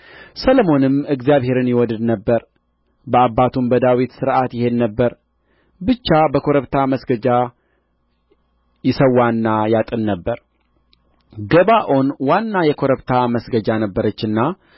ሰሎሞንም እግዚአብሔርን ይወድድ ነበር በአባቱም በዳዊት ሥርዓት ይሄድ ነበር ብቻ በኮረብታ መስገጃ ይሠዋና ያጥን ነበር ገባዖን ዋና የኮረብታ መስገጃ ነበረችና